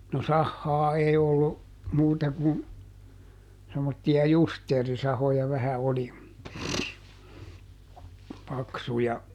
no sahaa ei ollut muuta kuin semmoisia justeerisahoja vähän oli paksuja